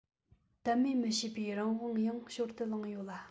དད མོས མི བྱེད པའི རང དབང ཡང ཞོར ཏུ གླེང ཡོད ལ